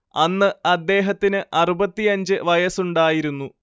അന്ന് അദ്ദേഹത്തിന് അറുപത്തിയഞ്ച് വയസ്സുണ്ടായിരുന്നു